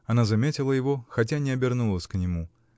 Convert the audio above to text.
Она заметила его, хотя не обернулась к нему.